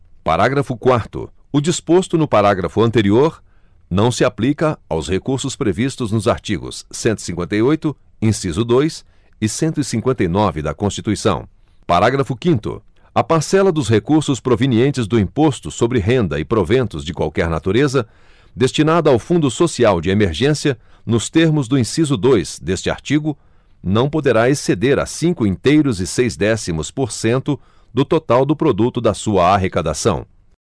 parágrafo quarto o disposto no parágrafo anterior não se aplica aos recursos previstos nos artigos cento e cinquenta e oito inciso dois e cento e cinquenta e nove da constituição parágrafo quinto a parcela dos recursos provenientes do imposto sobre renda e proventos de qualquer natureza destinada ao fundo social de emergência nos termos do inciso dois deste artigo não poderá exceder a cinco inteiros e seis décimos por cento do total do produto da sua arrecadação